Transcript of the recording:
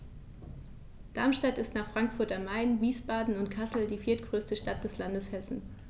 Darmstadt ist nach Frankfurt am Main, Wiesbaden und Kassel die viertgrößte Stadt des Landes Hessen